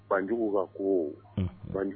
Banjugu ka ko banjugu